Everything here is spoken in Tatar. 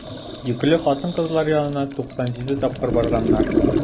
Йөкле хатын-кызлар янына 97 тапкыр барганнар.